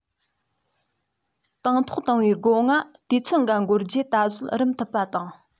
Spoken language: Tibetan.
དང ཐོག བཏང བའི སྒོ ང དུས ཚོད འགའ འགོར རྗེས གཟོད རུམ ཐུབ པ དང